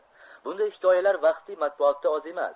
bunday hikoyalar vaqtli matbuotda oz emas